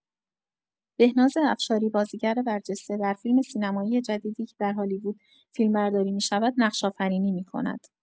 بهناز افشاری، بازیگر برجسته، در فیلم سینمایی جدیدی که در هالیوود فیلمبرداری می‌شود، نقش‌آفرینی می‌کند.